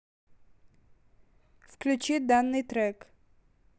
включи данный трек